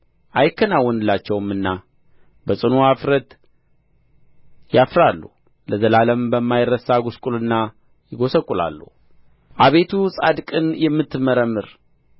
አይከናወንላቸውምና በጽኑ እፍረት ያፍራሉ ለዘላለምም በማይረሳ ጕስቍልና ይጐሰቍላሉ አቤቱ ጻድቅን የምትመረምር